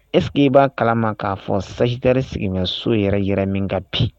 Est ce -que i b'a kalama k'a fɔ sagitare sigin bɛ so yɛrɛ yɛrɛ min kan bi.,